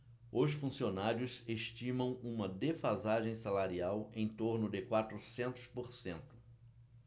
os funcionários estimam uma defasagem salarial em torno de quatrocentos por cento